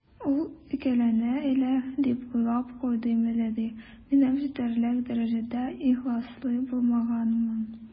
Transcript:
«ул икеләнә әле, - дип уйлап куйды миледи, - минем җитәрлек дәрәҗәдә ихласлы булмаганмын».